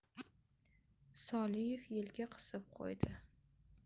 soliev yelka qisib qo'ydi